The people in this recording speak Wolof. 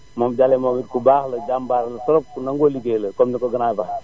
moom Jalle moomu nit ku baax la jambaar la trop ku nangoo ligéey la comme ni ko grand bi waxee